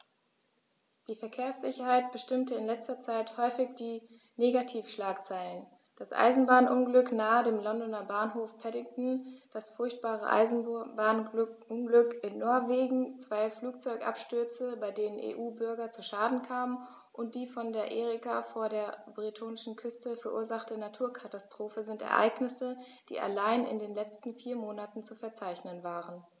Die Verkehrssicherheit bestimmte in letzter Zeit häufig die Negativschlagzeilen: Das Eisenbahnunglück nahe dem Londoner Bahnhof Paddington, das furchtbare Eisenbahnunglück in Norwegen, zwei Flugzeugabstürze, bei denen EU-Bürger zu Schaden kamen, und die von der Erika vor der bretonischen Küste verursachte Naturkatastrophe sind Ereignisse, die allein in den letzten vier Monaten zu verzeichnen waren.